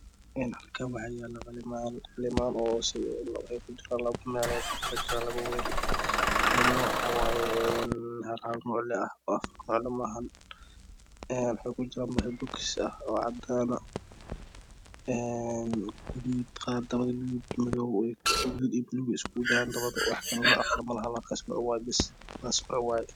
Halkan waxa yaalo qalimaan oo ku jiraan qalimaan waxaa weeyee waxay ku jiran bukus cadaan ah oo gaduud madow buluug ay Isugu jiran wax nooc kale ma lahan intaas bas bay isugu jiraan bas